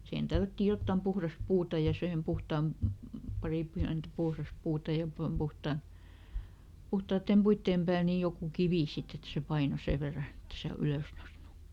siihen tällättiin jotakin puhdasta puuta ja siihen puhtaan pari pientä puhdasta puuta ja -- puhtaiden puiden päälle niin joku kivi sitten että se painoi sen verran että ei se ylös noussut